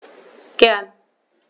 Gern.